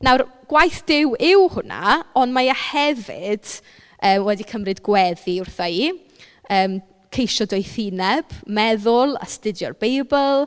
Nawr gwaith Duw yw hwnna, ond mae e hefyd yy wedi cymryd gweddi wrtha i yym ceisio doethineb, meddwl, astudio'r Beibl.